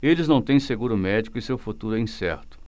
eles não têm seguro médico e seu futuro é incerto